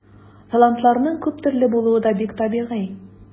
Талантларның күп төрле булуы да бик табигый.